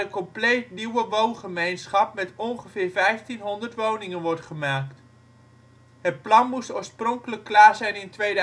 compleet nieuwe woongemeenschap met ongeveer 1500 woningen wordt gemaakt. Dit plan moest oorspronkelijk klaar zijn in 2016